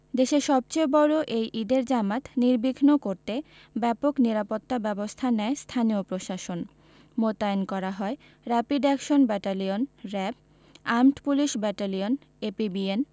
দেশের সবচেয়ে বড় এই ঈদের জামাত নির্বিঘ্ন করতে ব্যাপক নিরাপত্তাব্যবস্থা নেয় স্থানীয় প্রশাসন মোতায়েন করা হয় rapid action battalion RAB armed police battalion APBN